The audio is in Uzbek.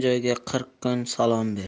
joyga qirq kun salom ber